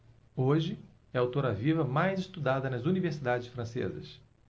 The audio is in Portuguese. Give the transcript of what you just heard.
hoje é a autora viva mais estudada nas universidades francesas